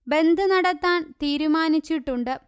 ബന്ദ് നടത്താൻ തീരുമാനിച്ചിട്ടുണ്ട്